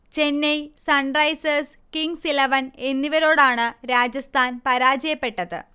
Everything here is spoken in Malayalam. ചെന്നൈ, സൺറൈസേഴ്സ്, കിങ്സ് ഇലവൻ എന്നിവരോടാണ് രാജസ്ഥാൻ പരാജയപ്പെട്ടത്